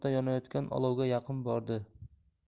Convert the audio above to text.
yonayotgan olovga yaqin bordi